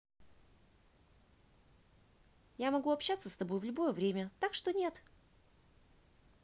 я могу общаться с тобой в любое время так что нет